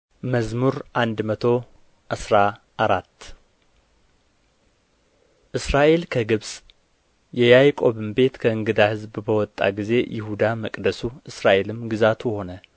መዝሙር መቶ አስራ አራት እስራኤል ከግብጽ የያዕቆብም ቤት ከእንግዳ ሕዝብ በወጣ ጊዜ ይሁዳ መቅደሱ እስራኤልም ግዛቱ ሆነ